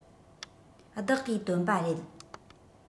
བདག གིས བཏོན པ རེད